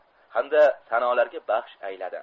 hamdu sanolarga baxsh ayladi